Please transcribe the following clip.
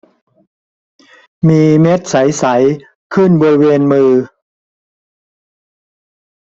มีเม็ดใสใสขึ้นบริเวณมือ